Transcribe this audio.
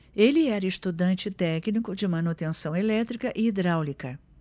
ele era estudante e técnico de manutenção elétrica e hidráulica